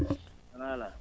tana alaa alaa